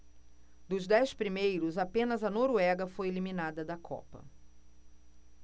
dos dez primeiros apenas a noruega foi eliminada da copa